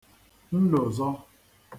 nlòzọ